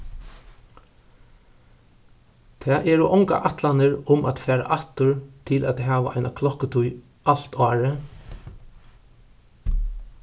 tað eru ongar ætlanir um at fara aftur til at hava eina klokkutíð alt árið